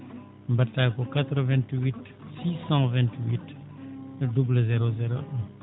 mbaɗataa ko 88 628 00 01